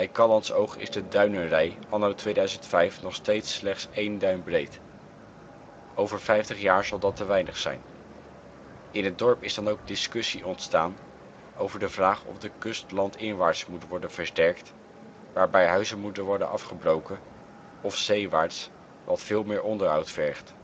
Callantsoog is de duinenrij anno 2005 nog steeds slechts één duin breed. Over vijftig jaar zal dat te weinig zijn. In het dorp is dan ook discussie ontstaan over de vraag of de kust landinwaarts moet worden versterkt, waarbij huizen moeten worden afgebroken, of zeewaarts, wat veel meer onderhoud vergt